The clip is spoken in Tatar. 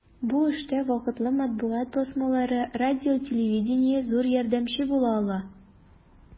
Бу эштә вакытлы матбугат басмалары, радио-телевидение зур ярдәмче була ала.